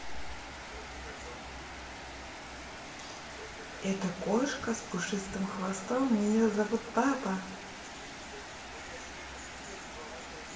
это кошка с пушистым хвостом ее зовут папа